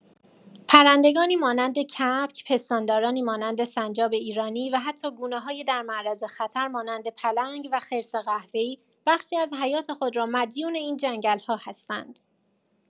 پرندگانی مانند کبک، پستاندارانی مانند سنجاب ایرانی و حتی گونه‌های در معرض خطر مانند پلنگ و خرس قهوه‌ای بخشی از حیات خود را مدیون این جنگل‌ها هستند.